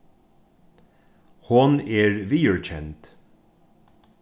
hon er viðurkend